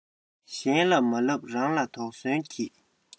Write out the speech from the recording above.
གཞན ལ མ ལབ རང ལ དོགས ཟོན གྱིས